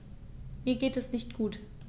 Mir geht es nicht gut.